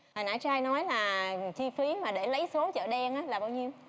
hồi nãy trai nói là chi phí mà để lấy số chợ đen là bao nhiêu